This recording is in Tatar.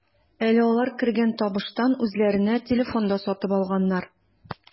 Әле алар кергән табыштан үзләренә телефон да сатып алганнар.